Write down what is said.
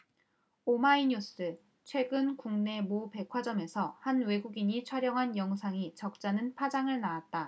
오마이뉴스 최근 국내 모 백화점에서 한 외국인이 촬영한 영상이 적잖은 파장을 낳았다